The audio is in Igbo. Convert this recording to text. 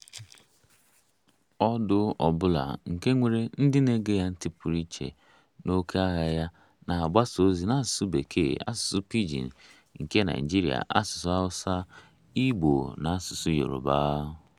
Ọdụ ọ bụla — nke nwere ndị na-ege ya ntị pụrụ iche na òkè ahịa ya — na-agbasa ozi n'asụsụ Bekee, asụsụ Pidgin nke Naịjirịa, asụsụ Hausa, Igbo na asụsụ Yoruba.